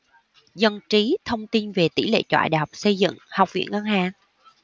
dân trí thông tin về tỷ lệ chọi đại học xây dựng học viện ngân hàng